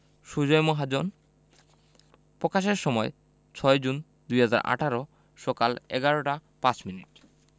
সুজয় মহাজন প্রকাশের সময় ৬জুন ২০১৮ সকাল ১১টা ৫ মিনিট